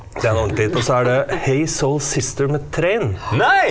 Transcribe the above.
det er en ordentlig hit, også er det Hey soul sister med Train.